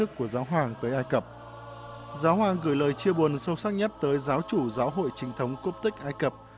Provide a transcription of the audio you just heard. thức của giáo hoàng tới ai cập giáo hoàng gửi lời chia buồn sâu sắc nhất tới giáo chủ giáo hội chính thống cốp tích ai cập